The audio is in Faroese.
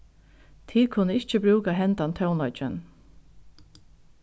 tit kunnu ikki brúka henda tónleikin